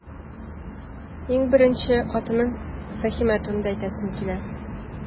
Иң беренче, хатыным Фәһимә турында әйтәсем килә.